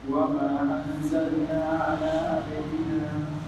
Baba yo